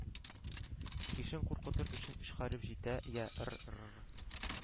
Ишен куркытыр өчен өч хәреф җитә: йә «р-р-р